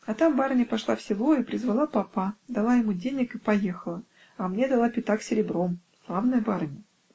А там барыня пошла в село и призвала попа, дала ему денег и поехала, а мне дала пятак серебром -- славная барыня!